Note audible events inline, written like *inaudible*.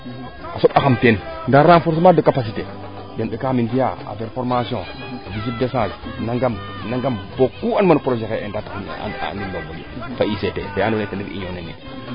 a soɓ a xam teen nda renforcement de capacité den mbekaxam yeen fiya affaire formation *unintelligible* nangam nangam fo ku anduma no projet xaye ENDA taxu um andin roog moƴu fo UTG fe ando naye ten ref *unintelligible*